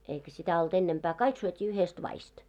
eikä sitä ollut ennempää kaikki syötiin yhdestä vadista